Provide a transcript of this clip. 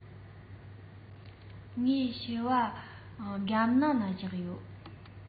ངའི ཕྱུ པ སྒམ ནང ལ བཞག ཡོད